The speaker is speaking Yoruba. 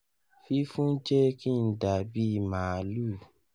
Fifun jẹ ki n dabi maalu.